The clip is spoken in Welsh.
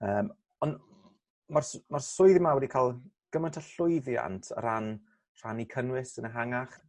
Yym on' ma'r s- ma'r swydd 'ma wedi ca'l gymaint o llwyddiant o ran rhannu cynnwys yn ehangach